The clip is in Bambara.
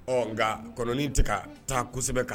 Ɔ nka kɔnɔnɔni tɛ ka taa kosɛbɛ kan